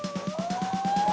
goao